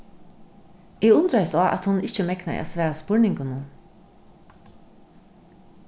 eg undraðist á at hon ikki megnaði at svara spurninginum